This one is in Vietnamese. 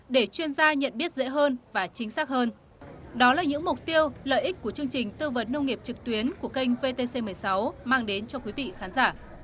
để chuyên gia nhận biết dễ hơn và chính xác hơn đó là những mục tiêu lợi ích của chương trình tư vấn nông nghiệp trực tuyến của kênh vê tê xê mười sáu mang đến cho quý vị khán giả